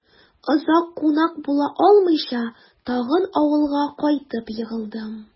Озак кунак була алмыйча, тагын авылга кайтып егылдым...